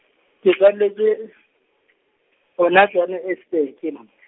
ke tswaletswe, hona Johannesburg, ke mam-.